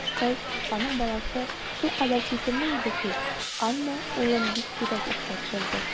Кыз, аның баласы, шулкадәр сөйкемле иде ки, Анна улын бик сирәк искә төшерде.